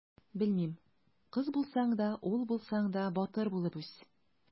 Белмим: кыз булсаң да, ул булсаң да, батыр булып үс!